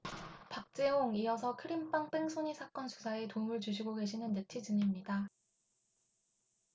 박재홍 이어서 크림빵 뺑소니 사건 수사에 도움을 주시고 계시는 네티즌입니다